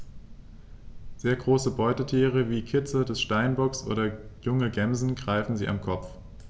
Sehr große Beutetiere wie Kitze des Steinbocks oder junge Gämsen greifen sie am Kopf.